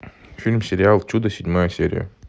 фильм сериал чудо седьмая серия